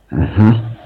Unhun